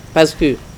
Pa